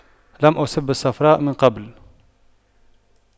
لم أصب بالصفراء من قبل